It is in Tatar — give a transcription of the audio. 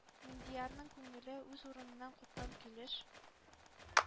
Миндиярның күңеле, үз урыныннан купкан килеш,